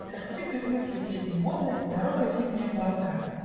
Как стих без мысли в песне модной, Дорога зимняя гладка.